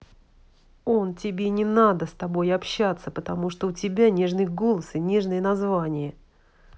он тебе не надо с тобой общаться потому что у тебя нежный голос и нежное название